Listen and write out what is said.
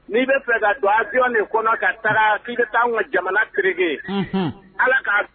N' bɛ ka du de kɔnɔ ka taara' ka taa ka jamana keurge ala